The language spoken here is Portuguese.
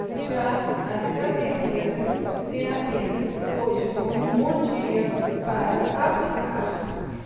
já as cadernetas têm apenas hoje como um bom dia para aplicar